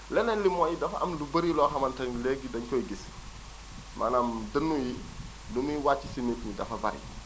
leneen li mooy dafa am lu bëri loo xamante ni léegi dañu koy gis maanaam dënnu yi nu muy wàcc si nit ñi dafa bëri